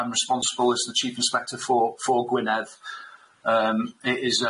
I'm responsible as the chief inspector for for Gwynedd yym it is